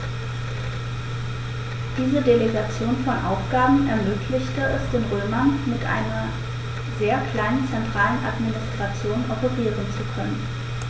Diese Delegation von Aufgaben ermöglichte es den Römern, mit einer sehr kleinen zentralen Administration operieren zu können.